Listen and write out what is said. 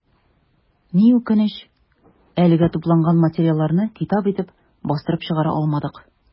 Ни үкенеч, әлегә тупланган материалларны китап итеп бастырып чыгара алмадык.